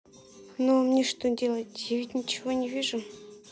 ну а мне то что делать я ведь ничего не вижу